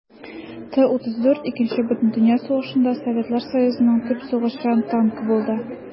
Т-34 Икенче бөтендөнья сугышында Советлар Союзының төп сугышчан танкы булды.